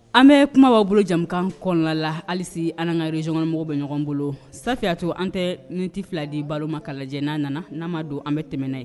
An bɛ kuma wangolo jamukan kɔnɔna la hali sini anw n'an ka région kɔnɔ mɔgɔw bɛ ɲɔgɔn bolo Safiyatu, an tɛ minutes fila di Balo ma ka lajɛ n' a nana n'a ma don an bɛ tɛmɛn n'a ye.